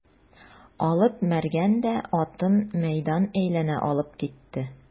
Алып Мәргән дә атын мәйдан әйләнә алып китте.